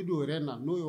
I don na